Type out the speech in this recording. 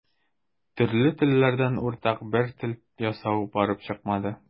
Төрле телләрдән уртак бер тел ясау барып чыкмады.